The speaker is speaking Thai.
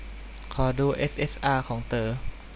ขอดูเอสเอสอาของเต๋อ